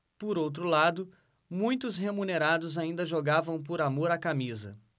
por outro lado muitos remunerados ainda jogavam por amor à camisa